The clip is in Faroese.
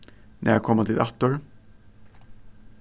nær koma tit aftur